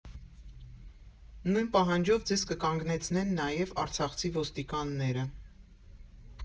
Նույն պահանջով ձեզ կկանգնեցնեն նաև արցախցի ոստիկանները։